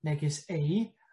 Megis ei.